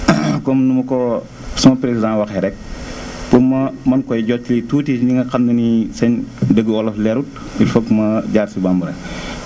comme ni ma koo sama président waxee rek pour ma mën koy jotali tuuti ñi nga xam ne ni seen dégg wolof leerul il faut que ma ma jaar si bambara